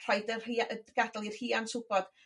rhaid y rhi- yy d- gadal i'r rhiant wbod.